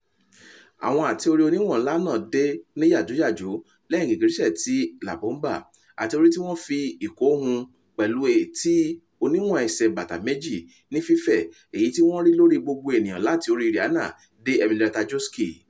Àwọn ate-ori oníwọn-ńlá náà dé ní yàjóyàjó lẹ́yìn gìgìrísẹ̀ ti 'La Bomba', ate-ori tíwọn fi ìko hun pẹ̀lú etí oníwọn ẹsẹ̀ bàtà méjì ní fífẹ̀ èyití wọ́n ńrí lórí gbogbo ènìyàn láti orí Rihanna dé Emily Ratajkowski.